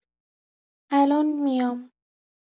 الان میام.